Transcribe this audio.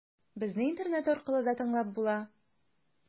Безне интернет аркылы да тыңлап була.